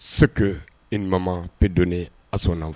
Segu i mama pedonnen a sɔnna